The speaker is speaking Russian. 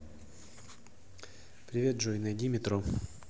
привет джой найди метро